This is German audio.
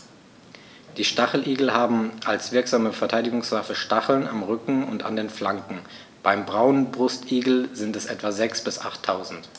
Die Stacheligel haben als wirksame Verteidigungswaffe Stacheln am Rücken und an den Flanken (beim Braunbrustigel sind es etwa sechs- bis achttausend).